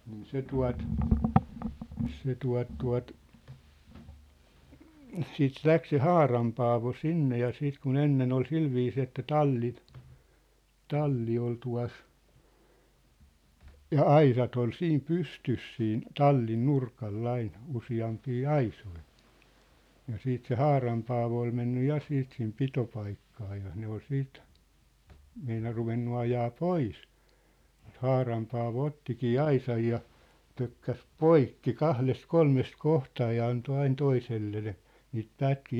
niin se tuota se tuota tuota sitten lähti se Haaran Paavo sinne ja sitten kun ennen oli sillä viisiin että talli talli oli tuossa ja aisat oli siinä pystyssä siinä tallin nurkalla aina useampia aisoja ja siitä se Haaran Paavo oli mennyt ja sitten sinne pitopaikkaan ja ne oli sitten meinannut ruvennut ajaa pois mutta Haaran Paavo ottikin aisan ja pökkäsi poikki kahdesta kolmesta kohtaa ja antoi aina toiselle niitä pätkiä